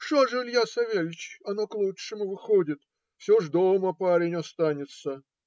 - Что ж, Илья Савельич, оно к лучшему выходит: все ж дома парень останется.